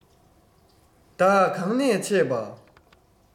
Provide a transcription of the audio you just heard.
བདག གང ནས ཆས པ